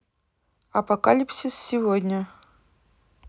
апокалипсис сегодня